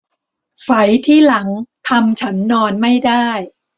ไฝที่หลังทำฉันนอนไม่ได้